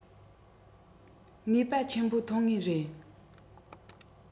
ནུས པ ཆེན པོ ཐོན ངེས རེད